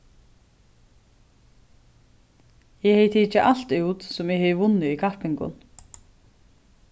eg hevði tikið alt út sum eg hevði vunnið í kappingum